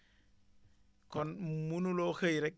kon munuloo xëy rek